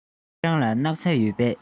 ཁྱེད རང ལ སྣག ཚ ཡོད པས